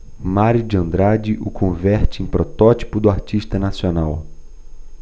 mário de andrade o converte em protótipo do artista nacional